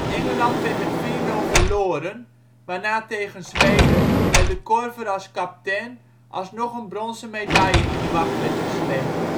Engeland werd met 4-0 verloren, waarna tegen Zweden, met De Korver als captain, alsnog een bronzen medaille in de wacht werd gesleept